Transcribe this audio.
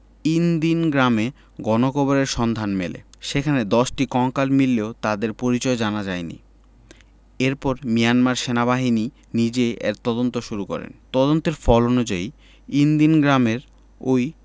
in Din গ্রামে গণকবরের সন্ধান মেলে সেখানে ১০টি কঙ্কাল মিললেও তাদের পরিচয় জানা যায়নি এরপর মিয়ানমার সেনাবাহিনী নিজেই এর তদন্ত শুরু করে তদন্তের ফল অনুযায়ী ইনদিন গ্রামের ওই